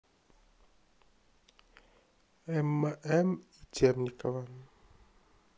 эмма м и темникова